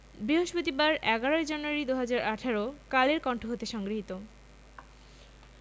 বৃহস্পতিবার ১১ জানুয়ারি ২০১৮ কালের কন্ঠ হতে সংগৃহীত